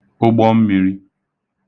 ụgbọmmīrī